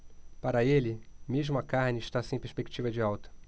para ele mesmo a carne está sem perspectiva de alta